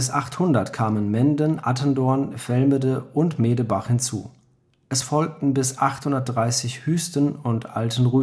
800 kamen Menden, Attendorn, Velmede und Medebach hinzu. Es folgten bis 830 Hüsten und Altenrüthen